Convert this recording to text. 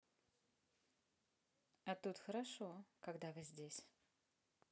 а тут хорошо когда вы здесь